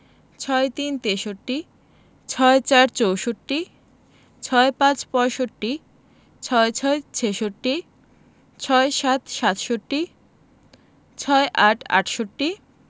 ৬৩ তেষট্টি ৬৪ চৌষট্টি ৬৫ পয়ষট্টি ৬৬ ছেষট্টি ৬৭ সাতষট্টি ৬৮ আটষট্টি